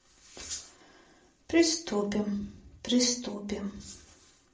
приступим приступим